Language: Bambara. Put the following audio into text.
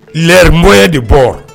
Rebya de bɔ